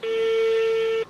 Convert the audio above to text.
Nse